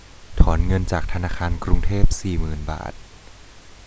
ถอนเงินจากธนาคารกรุงเทพสี่หมื่นบาท